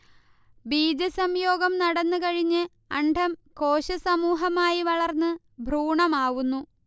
ബീജസംയോഗം നടന്നുകഴിഞ്ഞ് അണ്ഡം കോശസമൂഹമായി വളർന്ന് ഭ്രൂണമാവുന്നു